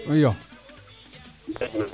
iyo